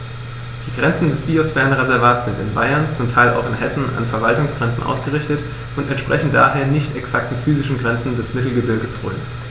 Die Grenzen des Biosphärenreservates sind in Bayern, zum Teil auch in Hessen, an Verwaltungsgrenzen ausgerichtet und entsprechen daher nicht exakten physischen Grenzen des Mittelgebirges Rhön.